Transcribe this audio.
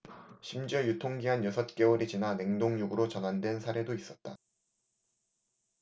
심지어 유통기한 여섯 개월이 지나 냉동육으로 전환된 사례도 있었다